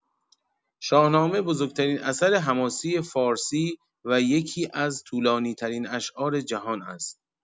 شاهنامه بزرگ‌ترین اثر حماسی فارسی و یکی‌از طولانی‌ترین اشعار جهان است.